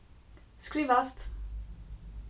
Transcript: skrivast